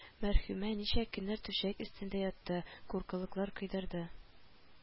Мәрхүмә ничә көннәр түшәк өстендә ятты, куркылыклар койдырды